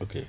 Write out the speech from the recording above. ok